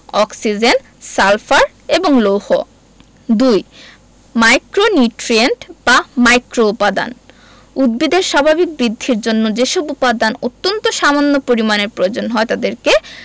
oxygen sulphur এবং লৌহ ২ micronutrient বা মাইক্রোউপাদান উদ্ভিদের স্বাভাবিক বৃদ্ধির জন্য যেসব উপাদান অত্যন্ত সামান্য পরিমাণে প্রয়োজন হয় তাদেরকে